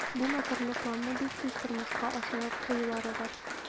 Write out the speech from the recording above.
Бу мәкерле планны бик тиз тормышка ашырып куюлары бар.